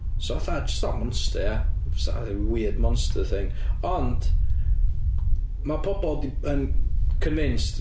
So fatha jyst fatha monster ia, jyst ryw weird monster thing. Ond mae pobl yn convinced...